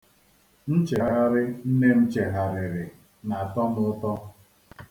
Nchegharị nne m chegharịrị na-atọ m ụtọ.